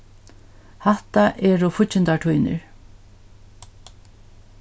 hatta eru fíggindar tínir